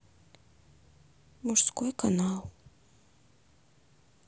мужской канал